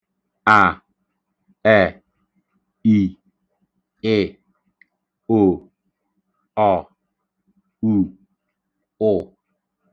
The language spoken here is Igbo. à/ẹ̀/ì/ị̀/ò/ọ̀/ù/ụ̀